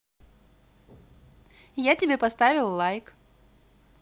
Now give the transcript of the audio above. я тебе поставил лайк